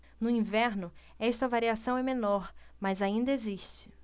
no inverno esta variação é menor mas ainda existe